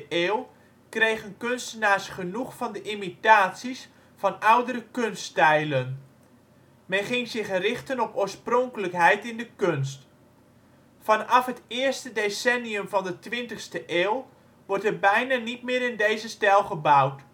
eeuw kregen kunstenaars genoeg van de imitaties van oudere kunststijlen. Men ging zich richten op oorspronkelijkheid in de kunst. Vanaf het eerste decennium van de twintigste eeuw wordt er bijna niet meer in deze stijl gebouwd